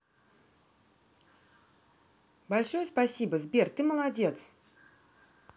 большое спасибо сбер ты молодец